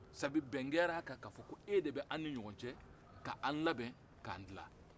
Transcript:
sadi bɛn kɛra a kan ka fo e de bɛ anw ni ɲɔgɔ cɛ ka an labɛn k'an dilan